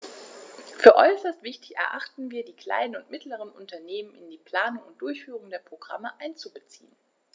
Für äußerst wichtig erachten wir, die kleinen und mittleren Unternehmen in die Planung und Durchführung der Programme einzubeziehen.